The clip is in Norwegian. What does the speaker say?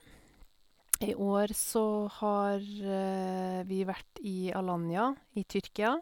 I år så har vi vært i Alanya i Tyrkia.